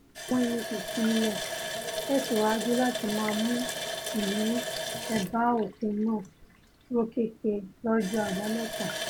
Àwọn ìmìtìtì-ilẹ̀ tẹ̀síwájú láti máa mú ìlú ẹ̀bá òkun náà rọ́kẹ̀kẹ̀ lọ́jọ́ Àbámẹ́ta.